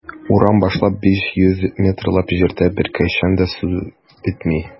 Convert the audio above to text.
Урам башланып 500 метрлап җирдә беркайчан да су бетми.